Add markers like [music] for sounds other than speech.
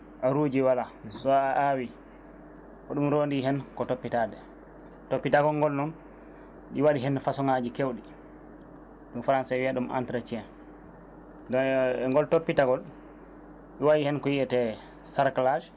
a ruuji voilà so a awi hoɗum ronndi heen ko toppitade toppitagol ngol noon ɗi waɗi heen façon ŋaaji kewɗi no Français wiyata ɗum entretien [hesitation] e ngol toppitagol waɗi heen ko wiyate cerclage